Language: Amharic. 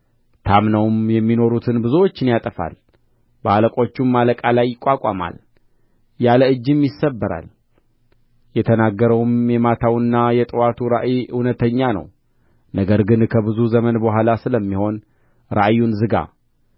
ታምነውም የሚኖሩትን ብዙዎችን ያጠፋል በአለቆቹም አለቃ ላይ ይቋቋማል ያለ እጅም ይሰበራል የተነገረውም የማታውና የጥዋቱ ራእይ እውነተኛ ነው ነገር ግን ከብዙ ዘመን በኋላ ስለሚሆን ራእዩን ዝጋ